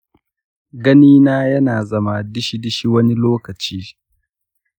gani na yana zama dishi dishi wani lokaci.